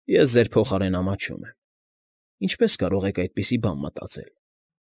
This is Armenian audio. Ես ձեր փոխարենն ամաչում եմ։ Ինչպե՞ս կարող եք այդպիսի բան մտածել։